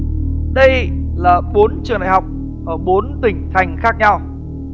đây là bốn trường đại học ở bốn tỉnh thành khác nhau